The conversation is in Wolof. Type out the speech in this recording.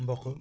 mboq